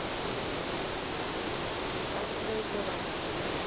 как твои дела